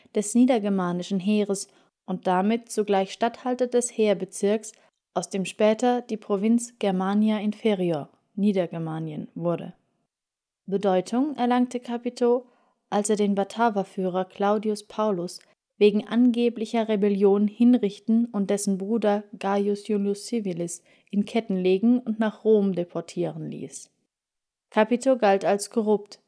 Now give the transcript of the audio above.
des niedergermanischen Heeres und damit zugleich Statthalter des Heeresbezirks, aus dem später die Provinz Germania Inferior (Niedergermanien) wurde. Bedeutung erlangte Capito, als er den Bataverführer Claudius Paulus wegen angeblicher Rebellion hinrichten und dessen Bruder Gaius Iulius Civilis in Ketten legen und nach Rom deportieren ließ. Capito galt als korrupt